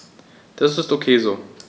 Das ist ok so.